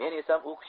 men esam